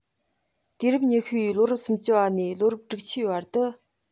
དུས རབས ཉི ཤུ པའི ལོ རབས སུམ ཅུ པ ནས ལོ རབས དྲུག ཅུ པའི བར དུ